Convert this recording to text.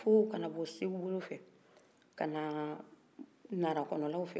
kana bɔ seku bolo fɛ kana nara kɔnɔnanw fɛ